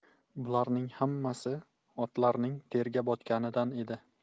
bularning hammasi otlarning terga botganidan edi